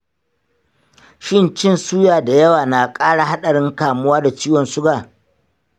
shin cin suya da yawa na ƙara haɗarin kamuwa da ciwon suga?